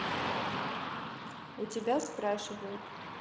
у тебя спрашивают